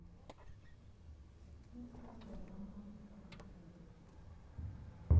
детская программа карусель